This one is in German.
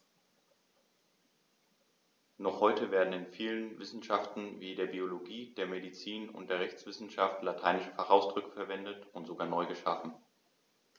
Noch heute werden in vielen Wissenschaften wie der Biologie, der Medizin und der Rechtswissenschaft lateinische Fachausdrücke verwendet und sogar neu geschaffen.